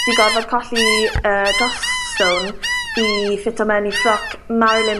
'di gorfod colli yy dros stone i ffito mewn i ffroc Marilyn